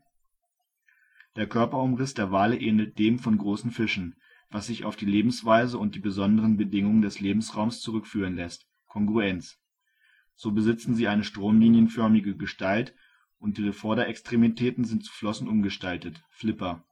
Der Körperumriss der Wale ähnelt dem von großen Fischen, was sich auf die Lebensweise und die besonderen Bedingungen des Lebensraums zurückführen läßt (Kongruenz). So besitzen sie eine stromlinienförmige Gestalt, und ihre Vorderextremitäten sind zu Flossen umgestaltet (Flipper